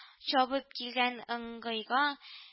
Чабып килгән ыңгыйга